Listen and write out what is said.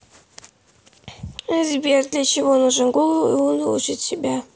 сбер для чего нужен google и он лучше тебя